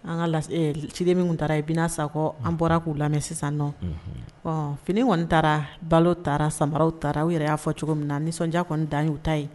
An ka lase ci min taara yen bɛna sakɔ an bɔra k'u lamɛn sisan nɔ fini kɔni taara balo taara samaw taara u yɛrɛ y'a fɔ cogo min na nisɔndiya kɔni da y u ta ye